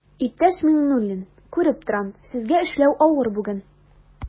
Иптәш Миңнуллин, күреп торам, сезгә эшләү авыр бүген.